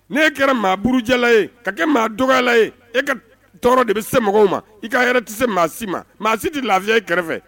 N'ie kɛra maa burujɛla ye ka kɛ maa dɔgɔla ye e ka tɔɔrɔ de bɛ se mɔgɔw ma i ka yɛrɛ tɛ se maa si ma maa si tɛ lafiya ye kɛrɛfɛ